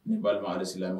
Ni balima silamɛ ma